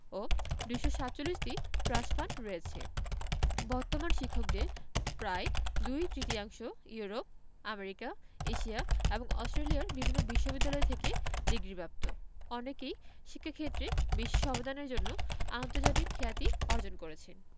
ও ২৪৭টি trust fund রয়েছে বর্তমান শিক্ষকদের প্রায় দুই তৃতীয়াংশ ইউরোপ আমেরিকা এশিয়া এবং অস্ট্রেলিয়ার বিভিন্ন বিশ্ববিদ্যালয় থেকে ডিগ্রিপ্রাপ্ত অনেকেই শিক্ষাক্ষেত্রে বিশেষ অবদানের জন্য আন্তর্জাতিক খ্যাতি অর্জন করেছেন